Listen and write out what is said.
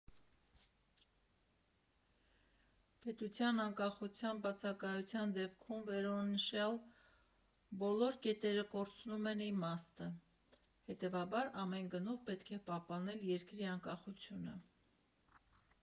Պետության անկախության բացակայության դեպքում վերոնշյալ բոլոր կետերը կորցնում են իմաստը, հետևաբար ամեն գնով պետք է պահպանել երկրի անկախությունը։